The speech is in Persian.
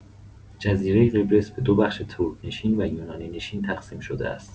جزیره قبرس به دوبخش ترک‌نشین و یونانی‌نشین تقسیم شده است.